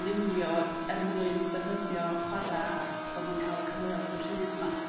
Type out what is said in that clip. liwio er mwyn defnyddio chwara' a bod nhw'n ca'l y cyfleoedd mwy rhydd 'ma.